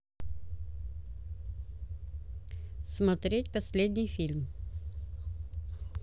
смотреть последний фильм